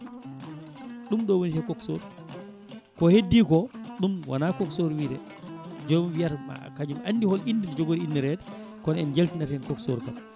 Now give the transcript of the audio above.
ɗum wiyete coxeur ko heddi ko ɗum wona coxeur wiyete jomum wiyata kañum andi hol inde jogori innirede kono en jaltinat hen coxeur kam